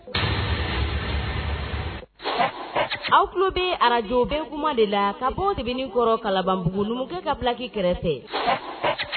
Aw tulo bɛ radio Benkuma de la ka bɔ sebenikɔrɔ kalabanbugu numukɛ ka plaque kɛrɛfɛ